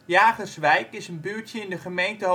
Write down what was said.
Jagerswijk is een buurtje in de gemeente